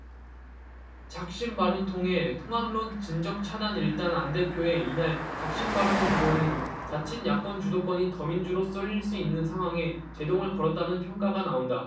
작심발언 통해 통합론 진전 차단 일단 안 대표의 이날 작심발언을 두고는 자칫 야권 주도권이 더민주로 쏠릴 수 있는 상황에 제동을 걸었다는 평가가 나온다